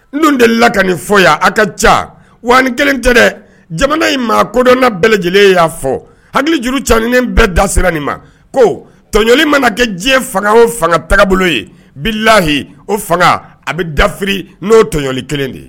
N de la ka nin fɔ yan a ka ca wa kelen tɛ dɛ jamana in maa kodɔnna bɛɛ lajɛlen y'a fɔ hakili juru caaninen bɛɛ dasira nin ma ko tɔɲɔli mana kɛ diɲɛ fanga o fanga taabolo bolo ye bi layi o fanga a bɛ dafi n'o tɔjli kelen de ye